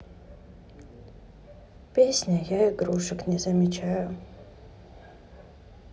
песня я игрушек не замечаю